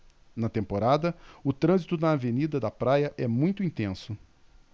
na temporada o trânsito na avenida da praia é muito intenso